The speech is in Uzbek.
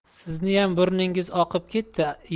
sizniyam burningiz oqib ketdi